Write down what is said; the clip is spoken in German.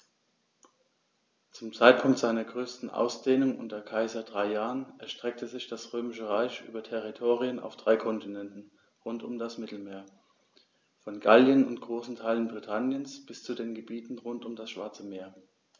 Zum Zeitpunkt seiner größten Ausdehnung unter Kaiser Trajan erstreckte sich das Römische Reich über Territorien auf drei Kontinenten rund um das Mittelmeer: Von Gallien und großen Teilen Britanniens bis zu den Gebieten rund um das Schwarze Meer.